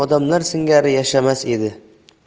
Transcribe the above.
odamlar singari yashamas edi